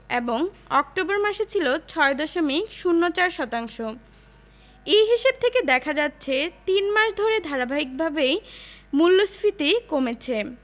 এবং অক্টোবর মাসে ছিল ৬ দশমিক ০৪ শতাংশ এ হিসাব থেকে দেখা যাচ্ছে তিন মাস ধরে ধারাবাহিকভাবেই মূল্যস্ফীতি কমেছে